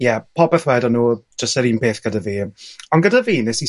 Ie, popeth wedon nw, jyst yr un peth gyda fi. Ond gyda fi nes i